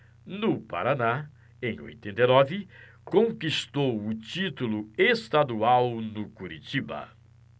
no paraná em oitenta e nove conquistou o título estadual no curitiba